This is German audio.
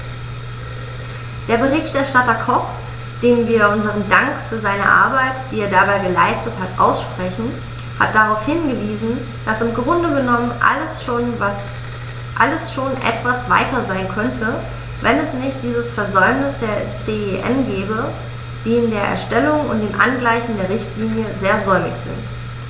Der Berichterstatter Koch, dem wir unseren Dank für seine Arbeit, die er dabei geleistet hat, aussprechen, hat darauf hingewiesen, dass im Grunde genommen alles schon etwas weiter sein könnte, wenn es nicht dieses Versäumnis der CEN gäbe, die in der Erstellung und dem Angleichen der Richtlinie sehr säumig sind.